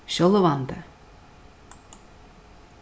sjálvandi